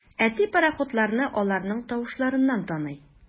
Әти пароходларны аларның тавышларыннан таный.